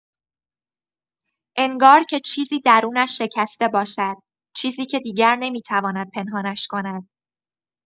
انگار که چیزی درونش شکسته باشد، چیزی که دیگر نمی‌تواند پنهانش کند.